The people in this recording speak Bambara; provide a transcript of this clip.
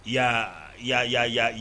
Y ya yaa yaa ya